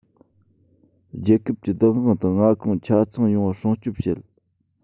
རྒྱལ ཁབ ཀྱི བདག དབང དང མངའ ཁོངས ཆ ཚང ཡོང བ སྲུང སྐྱོབ བྱེད